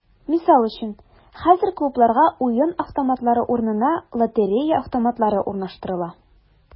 Мисал өчен, хәзер клубларга уен автоматлары урынына “лотерея автоматлары” урнаштырыла.